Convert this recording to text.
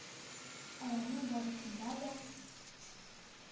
Аларның барысында да